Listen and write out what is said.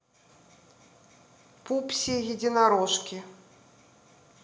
пупси единорожки